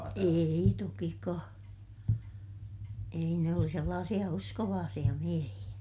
ei tokikaan ei ne oli sellaisia uskovaisia miehiä